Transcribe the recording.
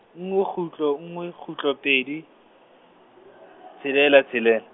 nngwe kgutlo nngwe kgutlo pedi, tshelela tshelela.